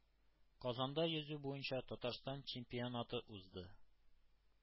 Казанда йөзү буенча Татарстан чемпионаты узды,